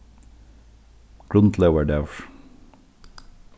grundlógardagur